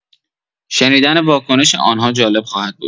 شنیدن واکنش آن‌ها جالب خواهد بود.